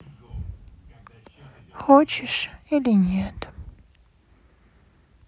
хочешь или нет